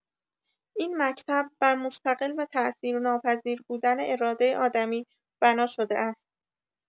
این مکتب بر مستقل و تاثیرناپذیر بودن اراده آدمی بنا شده است.